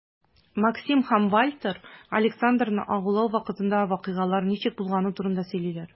Максим һәм Вальтер Александрны агулау вакытында вакыйгалар ничек булганы турында сөйлиләр.